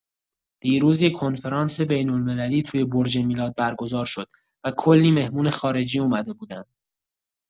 دیروز یه کنفرانس بین‌المللی توی برج میلاد برگزار شد و کلی مهمون خارجی اومده بودن.